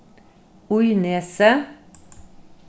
í nesi